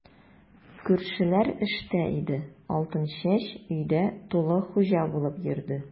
Күршеләр эштә иде, Алтынчәч өйдә тулы хуҗа булып йөрде.